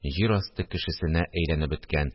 Җир асты кешесенә әйләнеп беткән